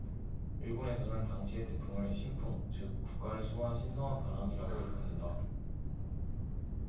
일본에서는 당시의 태풍을 신풍 즉 국가를 수호한 신성한 바람이라고 일컫는다